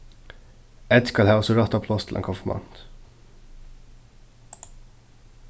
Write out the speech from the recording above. ð skal hava sítt rætta pláss til ein konfirmant